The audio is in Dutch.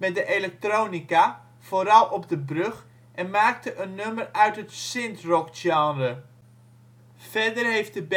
de elektronica (vooral op de brug) en maakte een nummer uit het synthrockgenre. Verder heeft de